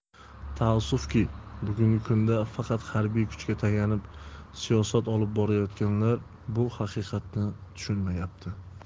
taassufki bugungi kunda faqat harbiy kuchga tayanib siyosat olib borayotganlar bu haqiqatni tushunmayapti